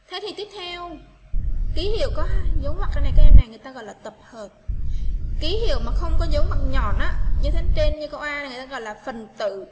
thế thì tiếp theo ký hiệu có dấu này người ta gọi là tập hợp ký hiệu mà không có dấu ngoặc nhọn trên như có ai đang gọi là phần tử